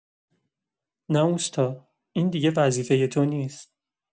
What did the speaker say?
نه اوستا، این دیگه وظیفه تو نیست.